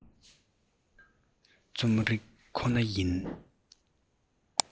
རྩོམ རིག ཁོ ན ཡིན